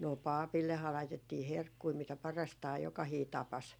no papillehan laitettiin herkkuja mitä parastaan jokainen tapasi